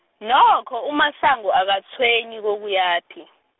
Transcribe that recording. nokho, uMasango akatshwenyi kokuyaphi.